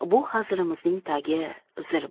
ammo bu hazilimizning tagi zil